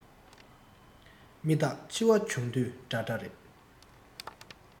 མི རྟག འཆི བ བྱུང དུས འདྲ འདྲ རེད